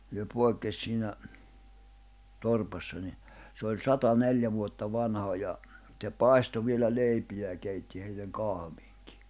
se poikkesi siinä torpassa niin se oli sata neljä vuotta vanha ja se paistoi vielä leipiä ja keitti heille kahviakin